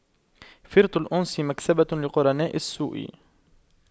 فرط الأنس مكسبة لقرناء السوء